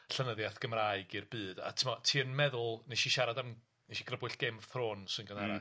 llenyddiath Gymraeg i'r byd a t'mo' ti yn meddwl nes i siarad am nesh i grybwyll Game of Thrones yn gynharach. Hmm.